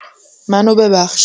منو ببخش.